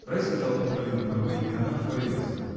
Райский толкнул калитку ногой, и она отворилась.